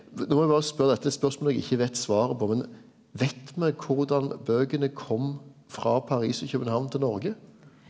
nå må eg berre spørje dette spørsmålet eg ikkje veit svaret på men veit me korleis bøkene kom frå Paris og København til Noreg?